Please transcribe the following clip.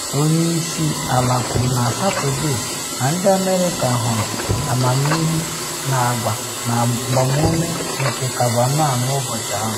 Onye isi ala kwuru na Satọde na “Ndị America hụrụ amamịghe na agwa na mgbamume” nke Kavanaugh n’ụbọchị ahụ.